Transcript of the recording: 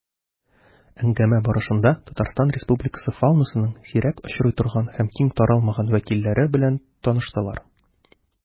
Әңгәмә барышында Татарстан Республикасы фаунасының сирәк очрый торган һәм киң таралмаган вәкилләре белән таныштылар.